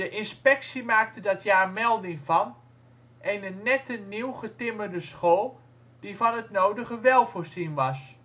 inspectie maakte dat jaar melding van " eene nette nieuw getimmerde school, die van het nodige wel voorzien was